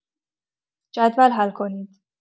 جدول حل کنید!